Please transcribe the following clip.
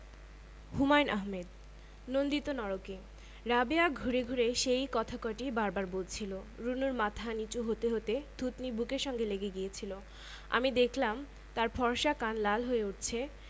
হুমায়ুন আহমেদ নন্দিত নরকে রাবেয়া ঘুরে ঘুরে সেই কথা কটিই বার বার বলছিলো রুনুর মাথা নীচু হতে হতে থুতনি বুকের সঙ্গে লেগে গিয়েছিলো আমি দেখলাম তার ফর্সা কান লাল হয়ে উঠছে